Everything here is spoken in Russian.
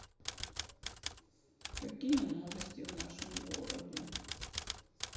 какие новости в нашем городе